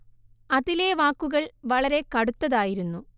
അതിലെ വാക്കുകൾ വളരെ കടുത്തതായിരുന്നു